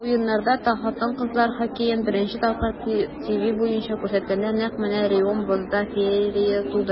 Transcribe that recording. Уеннарда хатын-кызлар хоккеен беренче тапкыр ТВ буенча күрсәткәндә, нәкъ менә Реом бозда феерия тудыра.